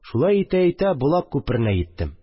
Шулай итә-итә, Болак күперенә йиттем